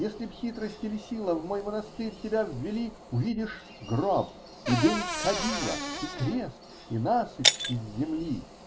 Если б хитрость или сила в мой монастырь тебя ввели, -- увидишь гроб, и дым кадила, и крест, и насыпь из земли.